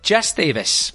Jess Davis.